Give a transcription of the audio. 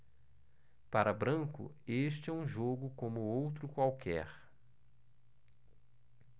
para branco este é um jogo como outro qualquer